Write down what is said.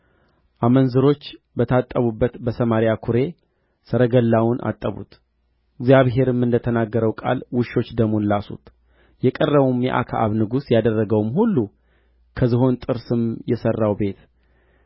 አመንዝሮች በታጠቡባት በሰማርያ ኵሬ ሰረገላውን አጠቡት እግዚአብሔርም እንደ ተናገረው ቃል ውሾች ደሙን ላሱት የቀረውም የአክዓብ ነገር ያደረገውም ሁሉ ከዝሆን ጥርስም የሠራው ቤት